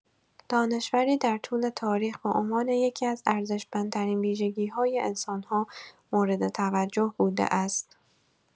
دانشوری در طول تاریخ به عنوان یکی‌از ارزشمندترین ویژگی‌های انسان‌ها مورد توجه بوده است.